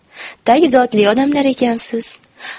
tag zotli odamlar ekansiz